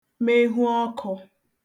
mehu ọkụ̄